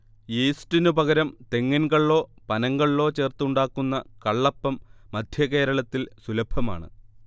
യീസ്റ്റിനു പകരം തെങ്ങിൻ കള്ളോ പനങ്കള്ളോ ചേർത്ത് ഉണ്ടാക്കുന്ന കള്ളപ്പം മധ്യകേരളത്തിൽ സുലഭമാണ്